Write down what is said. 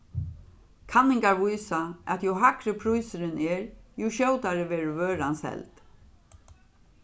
kanningar vísa at jú hægri prísurin er jú skjótari verður vøran seld